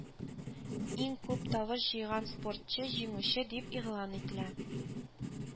Иң күп тавыш җыйган спортчы җиңүче дип игълан ителә